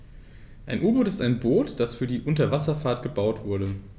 Ein U-Boot ist ein Boot, das für die Unterwasserfahrt gebaut wurde.